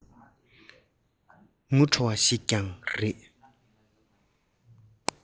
ངུ བྲོ བ ཞིག ཀྱང རེད